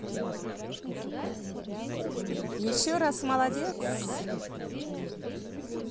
еще раз молодец